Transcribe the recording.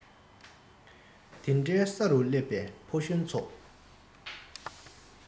དེ འདྲའི ས རུ སླེབས པའི ཕོ གཞོན ཚོ